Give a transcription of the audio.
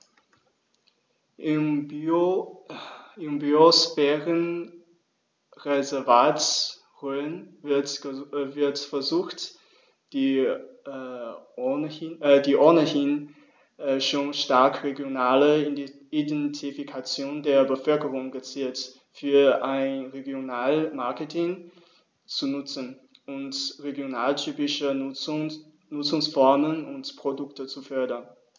Im Biosphärenreservat Rhön wird versucht, die ohnehin schon starke regionale Identifikation der Bevölkerung gezielt für ein Regionalmarketing zu nutzen und regionaltypische Nutzungsformen und Produkte zu fördern.